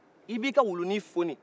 i b'i ka wulunin foni